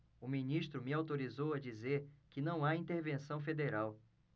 o ministro me autorizou a dizer que não há intervenção federal